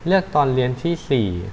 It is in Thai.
เลือกตอนเรียนที่สี่